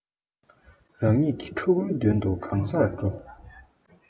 རང ཉིད ཀྱི ཕྲུ གུའི དོན དུ གང སར འགྲོ